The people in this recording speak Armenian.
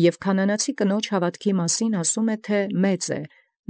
Եւ զկնոջէն քանանացւոյ մեծ զհաւատոցն ասէ.